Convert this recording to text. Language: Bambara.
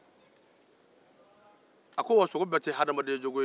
a ko bɛɛ adamadensogo ye